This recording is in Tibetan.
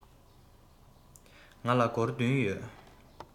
ང ལ སྒོར བདུན ཡོད